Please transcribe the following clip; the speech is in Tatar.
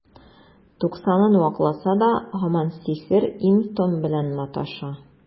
Туксанын вакласа да, һаман сихер, им-том белән маташа.